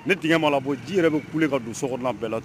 Ne d maa labɔ ji yɛrɛ bɛ kule ka don so kɔnɔ bɛɛ la